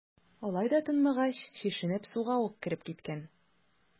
Алай да тынмагач, чишенеп, суга ук кереп киткән.